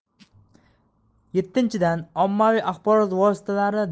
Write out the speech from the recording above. yettinchidan ommaviy axborot vositalarini